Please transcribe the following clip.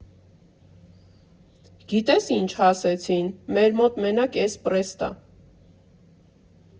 Գիտե՞ս ինչ ասեցին՝ մեր մոտ մենակ էսպրեսո ա։